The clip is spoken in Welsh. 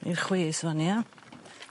I'r chwith ŵan ia?